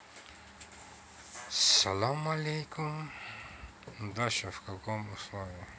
ну дальше в каком условии